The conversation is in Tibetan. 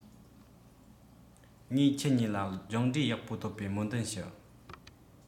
ངས ཁྱེད གཉིས ལ སྦྱངས འབྲས ཡག པོ ཐོབ པའི སྨོན འདུན ཞུ